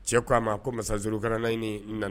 Cɛ ko a ma ko masakara naaniɲiniini nana